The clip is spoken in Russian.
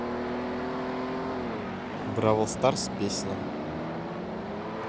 бравл старс песни